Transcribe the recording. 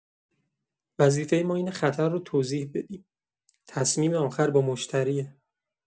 وظیفه ما اینه خطر رو توضیح بدیم، تصمیم آخر با مشتریه.